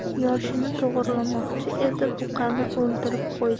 shoxini to'g'rilamoqchi edi buqani o'ldirib qo'ydi